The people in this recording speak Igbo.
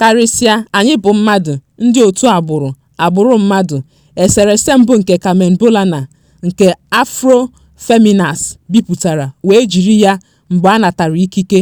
Karịsịa, anyị bụ mmadụ, ndị otu agbụrụ, agbụrụ mmadụ. " Eserese mbụ nke Carmen Bolena, nke Afroféminas bipụtara wee jiri ya mgbe a natara ikike.